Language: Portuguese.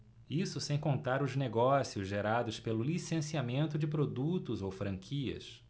isso sem contar os negócios gerados pelo licenciamento de produtos ou franquias